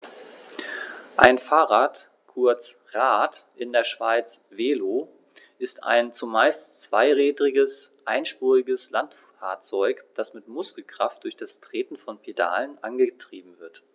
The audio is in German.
Ein Fahrrad, kurz Rad, in der Schweiz Velo, ist ein zumeist zweirädriges einspuriges Landfahrzeug, das mit Muskelkraft durch das Treten von Pedalen angetrieben wird.